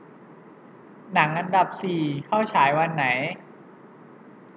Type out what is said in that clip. หนังอันดับสี่เข้าฉายวันไหน